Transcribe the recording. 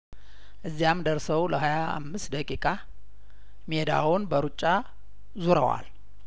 እዚያም ደርሰው ለሀያአምስት ደቂቃ ሜዳውን በሩጫ ዙረዋል